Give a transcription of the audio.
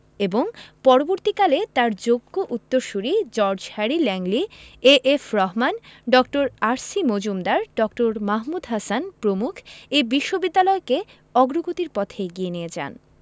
এবং পরবর্তীকালে তাঁর যোগ্য উত্তরসূরি George Harry Langley A F Rahman ড. আর.সি মজুমদার ড. মাহমুদ হাসান প্রমুখ এ বিশ্ববিদ্যালয়কে অগ্রগতির পথে এগিয়ে নিয়ে যান